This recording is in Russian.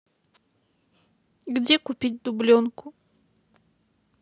где купить дубленку